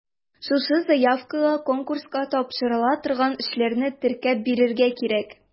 Шушы заявкага конкурска тапшырыла торган эшләрне теркәп бирергә кирәк.